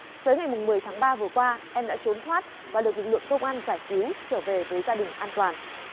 tới ngày mùng mười tháng ba vừa qua em đã trốn thoát và được lực lượng công an giải cứu trở về với gia đình an toàn